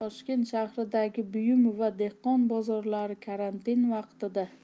toshkent shahridagi buyum va dehqon bozorlari karantin vaqtida